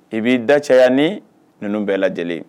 I b'i da cɛya ni ninnu bɛɛ lajɛlen